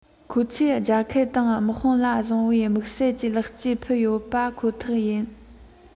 ཁོ ཚོས རྒྱལ ཁབ དང དམག དཔུང ལ བཟོས པའི དམིགས བསལ གྱི ལེགས སྐྱེས ཕུལ ཡོད པ ཁོ ཐག ཡིན